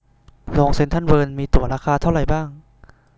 โรงเซ็นทรัลเวิลด์มีตั๋วราคาเท่าไหร่บ้าง